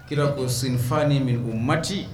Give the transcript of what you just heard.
Kira ko sinifaani min umati